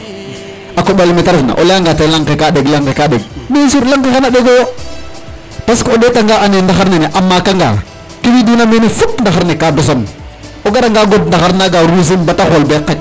A koƥ ale me ta refna a layanga te lanq ke ga ɗeg, lanq ke ga ɗeg bien sur xa na ɗegooyo. Parce que o ɗeetanga ande ndaxar nene a maakanga ke widuna mene fop ndaxar ne ka dosan o garanga god ndaxar naaga rusin bata xool be qac .